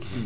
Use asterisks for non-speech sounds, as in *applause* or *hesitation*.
*hesitation* *hesitation*